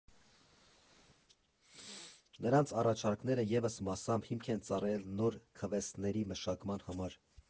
Նրանց առաջարկները ևս մասամբ հիմք են ծառայել նոր քվեսթերի մշակման համար։